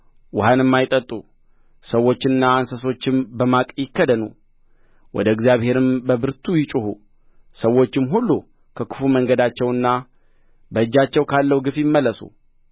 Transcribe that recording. ውኃንም አይጠጡ ሰዎችና እንስሶችም በማቅ ይከደኑ ወደ እግዚአብሔርም በብርቱ ይጩኹ ሰዎችም ሁሉ ከክፉ መንገዳቸውና በእጃቸው ካለው ግፍ ይመለሱ